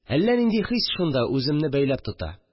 Әллә нинди хис шунда үземне бәйләп тота